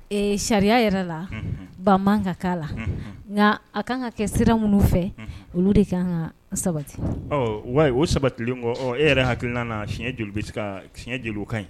Ee sariya yɛrɛ la, unhun, ban ma ka k'a la, nka a kan ka kɛ sira minnu fɛ, unhun, olu de ka kan ka sabati, ɔ o sabatilen kɔ, e yɛrɛ hakilina la siɲɛ joli bɛ se ka Siɲɛ joli kaɲi?